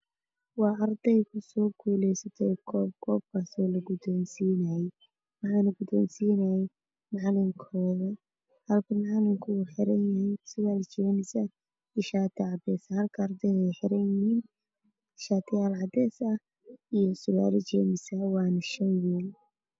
Waa arday oo kusoogoleysayt koobkoob bale lagudonsiinaayay waxaane gudonsiinaaya macalikooda halka macalinka uuxiranyhy sarwal jeermisah iyo shaati cadeysah halka ardeyda ay xiran yhiin shatiyaal cadeysah iyo suraawalo jeermisah waane shanwiil